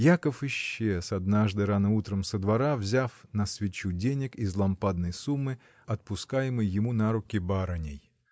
Яков исчез однажды рано утром со двора, взяв на свечу денег из лампадной суммы, отпускаемой ему на руки барыней.